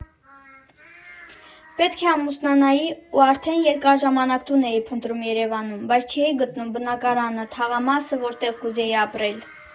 Պետք է ամուսնանայի ու արդեն երկար ժամանակ տուն էի փնտրում Երևանում, բայց չէի գտնում բնակարանը, թաղամասը, որտեղ կուզեի ապրել.